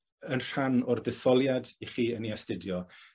yn rhan o'r detholiad 'ych chi yn ei astudio